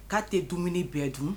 K'a tɛ dumuni bɛɛ dun